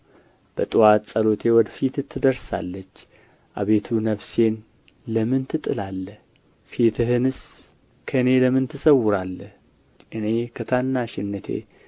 በጥዋት ጸሎቴ ወደ ፊትህ ትደርሳለች አቤቱ ነፍሴን ለምን ትጥላለህ ፊትህንስ ከእኔ ለምን ትሰውራለህ እኔ ከታናሽነቴ